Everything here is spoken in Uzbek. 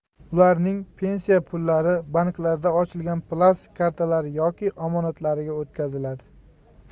ularning pensiya pullari banklarda ochilgan plastik kartalar yoki omonatlariga o'tkaziladi